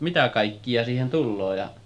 mitä kaikkia siihen tulee